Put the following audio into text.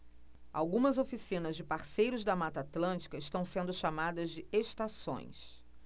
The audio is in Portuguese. algumas oficinas de parceiros da mata atlântica estão sendo chamadas de estações